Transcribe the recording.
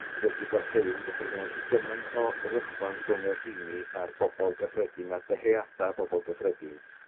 gwledydd y gorllewin gyffredinol, gymaint o rychwant rhwng y rheini a'r bobol gyffredin, a dyheada bobol gyffredin.